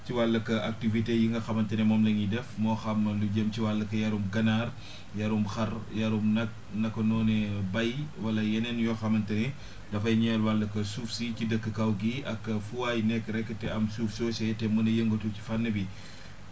ci wàllu activités yi nga xamante ne moom la ñuy def moo xam lu jëm ci wàllu yarum ganaar yarum xar yarum nag naka noonee béy wala yeneen yoo xamante ne dafa ñeel wàllug suuf si si dëkk kaw gi ak fu waay nekk rek te am suuf soosee te mun a yëngatu ci fànn bi